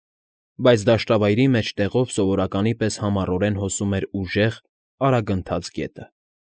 Բայց դաշշտավայրի մեջտեղով սովորականի պես համառորեն հոսում էր ուժեղ, արագընթաց գետը։